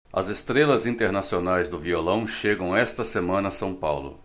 as estrelas internacionais do violão chegam esta semana a são paulo